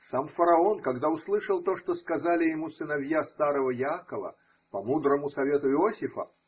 Сам фараон, когда услышал то, что сказали ему сыновья старого Яакова по мудрому совету Иосифа.